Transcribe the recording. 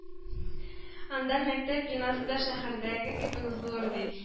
Анда мәктәп бинасы да шәһәрдәге кебек зур ди